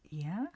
Ia?